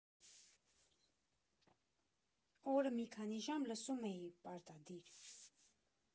Օրը մի քանի ժամ լսում էի, պարտադիր։